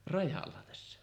rajalla tässä